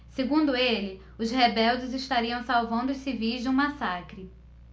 segundo ele os rebeldes estariam salvando os civis de um massacre